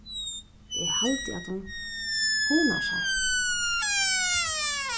eg haldi at hon hugnar sær